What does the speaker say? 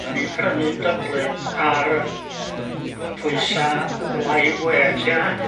o'n i'n prynu'n Dublin ar yy y pwysa live weight ia?